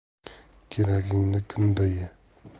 keragingni kunda yig'